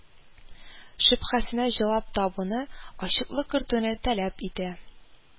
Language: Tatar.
Шөбһәсенә җавап табуны, ачыклык кертүне таләп итә